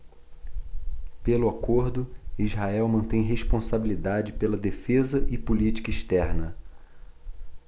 pelo acordo israel mantém responsabilidade pela defesa e política externa